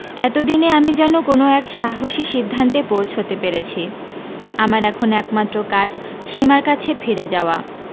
এতোদিনে আমি যেন কোনো এক সাহসী সিদ্ধান্তে পৌঁছতে পেরেছি আমার এখন একমাত্র কাজ সীমার কাছে ফিরে যাওয়া